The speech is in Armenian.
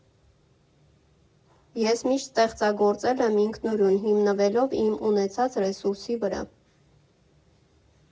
Ես միշտ ստեղծագործել եմ ինքնուրույն, հիմնվելով իմ ունեցած ռեսուրսի վրա։